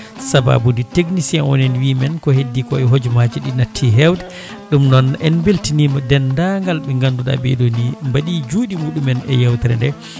sababude technicien o nena wiyamen ko heddi ko e hojomaji ɗi natti hewde ɗum noon en beltinima dendagal ɓe ganduɗa ɓeɗo ni mbaɗi juuɗe muɗumen e yewtere nde